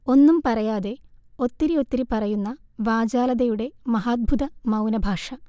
ഒന്നും പറയാതെ ഒത്തിരിയൊത്തിരി പറയുന്ന വാചാലതയുടെ മഹാദ്ഭുത മൗനഭാഷ